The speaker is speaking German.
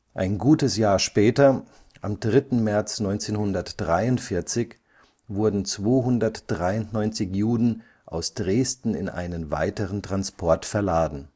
Ein gutes Jahr später, am 3. März 1943, wurden 293 Juden aus Dresden in einen weiteren Transport verladen